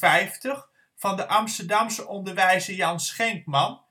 uit circa 1850 van de Amsterdamse onderwijzer Jan Schenkman